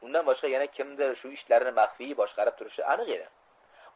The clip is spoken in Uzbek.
undan boshqa yana kimdir shu ishlarni maxfly boshqarib turishi aniq edi